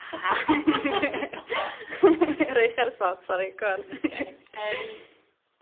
Na! . Rhoi chi ar y sbot sori go on. Yym.